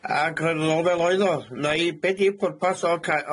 ag roi n'w nôl fel oedd o neu be' 'di pwrpas o ca-